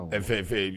A fɛfe yen